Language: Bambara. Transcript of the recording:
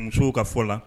Musow ka fɔ la